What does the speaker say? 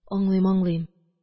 – аңлыйм, аңлыйм.